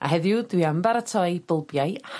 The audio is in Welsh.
A heddiw dwi am baratoi bylbiau